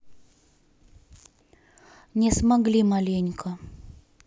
не смогли маленько